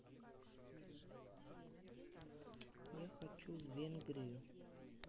я хочу в венгрию